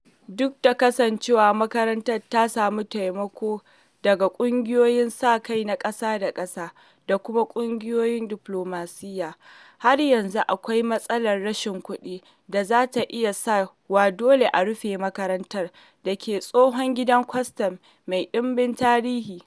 Duk da kasancewar makarantar ta samu taimako daga ƙungiyoyin sa kai na ƙasa da ƙasa da kuma ƙungiyoyin diflomasiyya, har yanzu akwai matsalar rashin kuɗi da za ta iya sa wa dole a rufe makarantar da ke tsohon gidan kwastam mai ɗimbin tarihi.